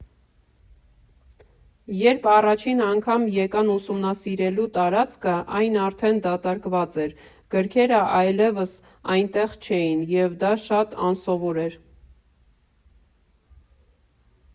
Երբ առաջին անգամ եկան ուսումնասիրելու տարածքը այն արդեն դատարկված էր, գրքերը այլևս այնտեղ չէին և դա շատ անսովոր էր։